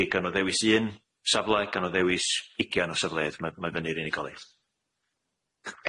Ydi gawn nw ddewis un safle gawn nw ddewis ugian o safleoedd ma' ma' i fyny i'r unigolyn.